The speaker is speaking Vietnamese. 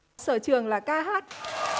sở trường là ca hát